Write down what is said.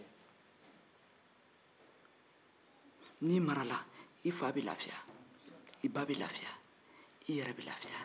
n'i marala i fa bɛ lafiya i ba bɛ lafiya i yɛrɛ bɛ lafiya